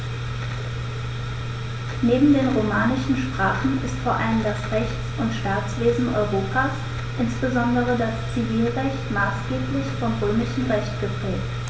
Neben den romanischen Sprachen ist vor allem das Rechts- und Staatswesen Europas, insbesondere das Zivilrecht, maßgeblich vom Römischen Recht geprägt.